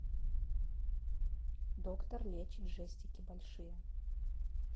доктор лечит жестики большие